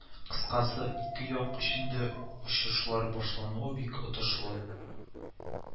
Кыскасы, ике як өчен дә очышлар башлануы бик отышлы